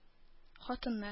Хатыннар